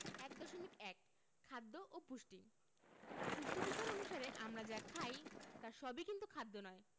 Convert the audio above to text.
১.১ খাদ্য ও পুষ্টি পুষ্টিবিজ্ঞান অনুসারে আমরা যা খাই তার সবই কিন্তু খাদ্য নয়